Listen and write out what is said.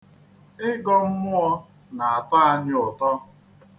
Ịgọ mmụọ na-atọ anyị ụtọ.